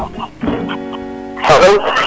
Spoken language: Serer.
alo